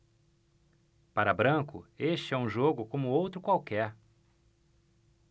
para branco este é um jogo como outro qualquer